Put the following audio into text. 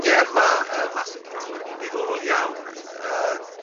Ie ma' yy Marcel Kittel yn un ddiddorol iawn yy